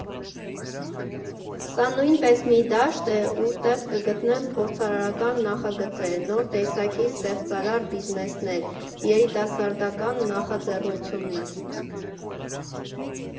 Սա նույնպես մի դաշտ է, ուր տեղ կգտնեն փորձառարական նախագծեր, նոր տեսակի ստեղծարար բիզնեսներ, երիտասարդական նախաձեռնություններ։